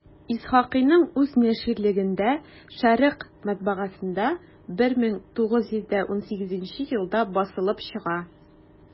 Исхакыйның үз наширлегендә «Шәрекъ» матбагасында 1918 елда басылып чыга.